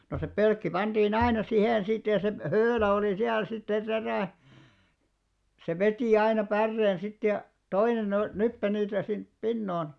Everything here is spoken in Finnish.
no se pölkki pantiin aina siihen sitten ja se höylä oli siellä sitten se terä se veti aina päreen sitten ja toinen - nyppi niitä sinne pinoon